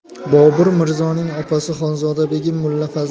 bobur mirzoning opasi xonzoda begim mulla